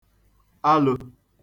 alō